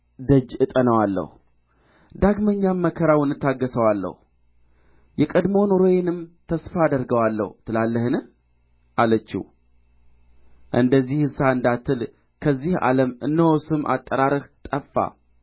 ደጅ እጠናዋለሁ ዳግመኛም መከራውን እታገሠዋለሁ የቀድሞ ኑሮዬንም ተስፋ አደርገዋለሁ ትላለህን አለችው እንደዚህሳ እንዳትል ከዚህ ዓለም እነሆ ስም አጠራርህ ጠፋ